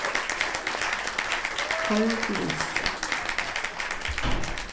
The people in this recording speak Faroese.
koyr til vinstru